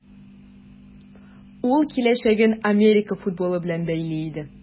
Ул киләчәген Америка футболы белән бәйли иде.